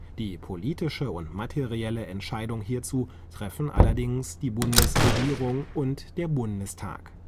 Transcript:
Die politische und materielle Entscheidung hierzu treffen allerdings die Bundesregierung und der Bundestag